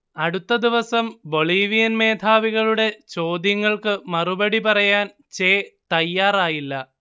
അടുത്ത ദിവസം ബൊളീവിയൻ മേധാവികളുടെ ചോദ്യങ്ങൾക്ക് മറുപടി പറയാൻ ചെ തയ്യാറായില്ല